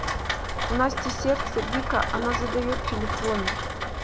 у насти сердца вика она задает телефоны